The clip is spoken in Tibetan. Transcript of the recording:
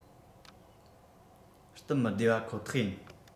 སྟབས མི བདེ བ ཁོ ཐག ཡིན